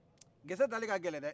gese dali ka gɛlɛ dɛ